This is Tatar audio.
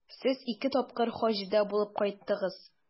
Сез ике тапкыр Хаҗда булып кайттыгыз.